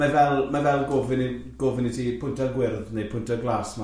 Mae fel, mae fel gofyn i gofyn i ti pwyntio'r gwyrdd neu pwyntio'r glas ma.